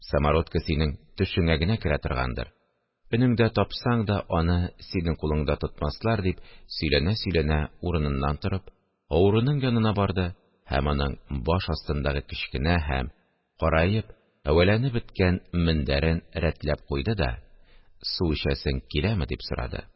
Самородкы синең төшеңә генә керә торгандыр, өнеңдә тапсаң да, аны синең кулыңда тотмаслар! – дип сөйләнә-сөйләнә урыныннан торып, авыруның янына барды һәм аның баш астындагы кечкенә һәм караеп, әвәләнеп беткән мендәрен рәтләп куйды да: – Су эчәсең киләме? – дип сорады